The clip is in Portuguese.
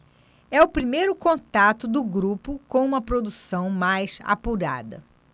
é o primeiro contato do grupo com uma produção mais apurada